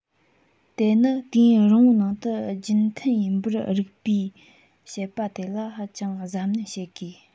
དེ ནི དུས ཡུན རིང པོའི ནང དུ རྒྱུན མཐུད ཡིན པར རིགས པས དཔྱད པ དེ ལ ཧ ཅང གཟབ ནན བྱེད དགོས